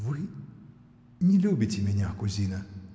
— Вы. не любите меня, кузина?